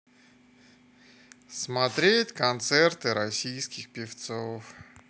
смотреть концерты российских певцов